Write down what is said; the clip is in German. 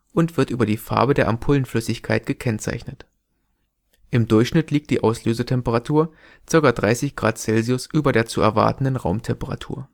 und wird über die Farbe der Ampullenflüssigkeit gekennzeichnet. Im Durchschnitt liegt die Auslösetemperatur ca. 30 °C über der zu erwartenden Raumtemperatur